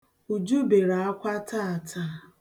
Uju bere akwa taata.